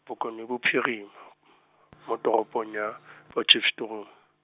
Bokone Bophirima, mo toropong ya, Potchefstroom.